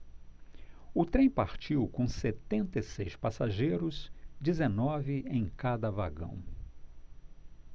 o trem partiu com setenta e seis passageiros dezenove em cada vagão